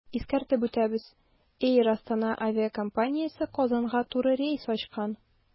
Искәртеп үтәбез, “Эйр Астана” авиакомпаниясе Казанга туры рейс ачкан.